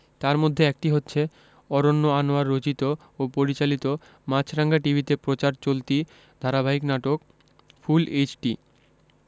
তার মধ্যে একটি হচ্ছে অরন্য আনোয়ার রচিত ও পরিচালিত মাছরাঙা টিভিতে প্রচার চলতি ধারাবাহিক নাটক ফুল এইচডি